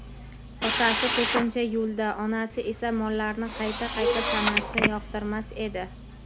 otasi ko'pincha yo'lda onasi esa mollarni qayta qayta sanashni yoqtirmas edi